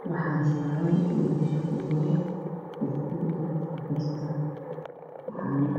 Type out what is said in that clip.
yahay qaxwi